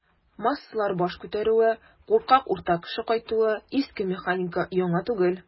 "массалар баш күтәрүе", куркак "урта кеше" кайтуы - иске механика, яңа түгел.